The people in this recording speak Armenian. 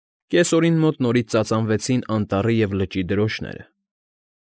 Կեսօրին մոտ նորից ծածանվեցին Անտառի և Լճի դրոշները։